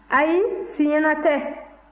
ayi siɲɛna tɛ